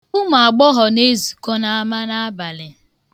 Ụmụagbọghọ na-ezukọ n'ama n'abalị.